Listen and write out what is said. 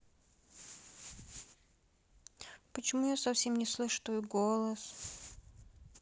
почему я совсем не слышу твой голос